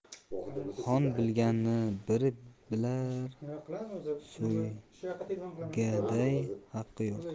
xon bilganni biy bilar so'zlaguday haddi yo'q